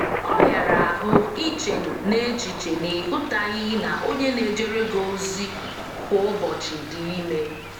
Ọ hịara ahụ iche n'echiche na ị hutaghị na onye na-ejere gị ozi kwa ụbọchị dị ime.